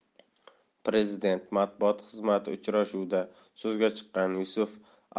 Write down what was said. prezident matbuot xizmatiuchrashuvda so'zga chiqqan yusuf